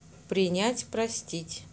принять простить